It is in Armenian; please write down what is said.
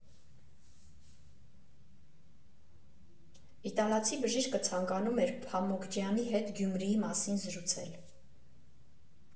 Իտալացի բժիշկը ցանկանում էր Փամոկջյանի հետ Գյումրիի մասին զրուցել։